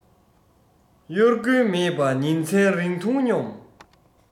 དབྱར དགུན མེད པ ཉིན མཚན རིང ཐུང སྙོམས